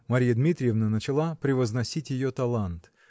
Марья Дмитриевна начала превозносить ее талант